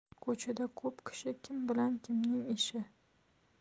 ko'chada ko'p kishi kim bilan kimning ishi